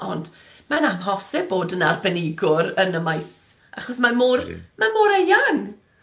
ond mae'n amhosib bod yn arbenigwr yn y maes, achos mae mor, mae mor eang.